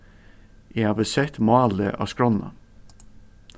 eg havi sett málið á skránna